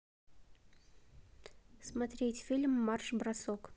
смотреть фильм марш бросок